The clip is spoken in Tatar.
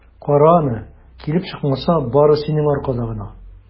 Кара аны, килеп чыкмаса, бары синең аркада гына!